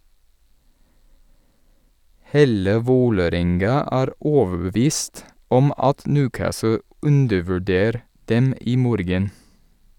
Hele Vålerenga er overbevist om at Newcastle undervurder dem i morgen.